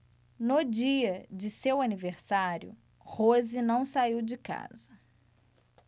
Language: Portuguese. no dia de seu aniversário rose não saiu de casa